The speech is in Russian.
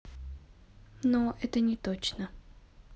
но это не точно